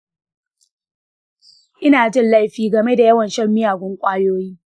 ina jin laifi game da yawan shan miyagun kwayoyi